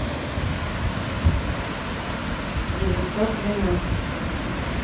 девятьсот двенадцать